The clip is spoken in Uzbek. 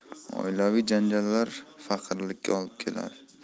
oilaviy janjallar faqirlikka olib keladi